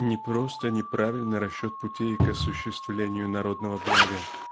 не просто неправильный расчет путей к осуществлению народного блага